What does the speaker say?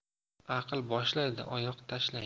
aql boshlaydi oyoq tashlaydi